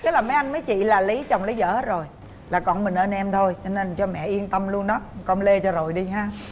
tức là mấy anh mấy chị là lấy chồng lấy vợ hết rồi là còn có mình em em thôi cho nên cho mẹ yên tâm luôn đó com lê cho rồi đi ha